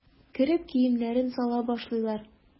Кереп киемнәрен сала башлыйлар.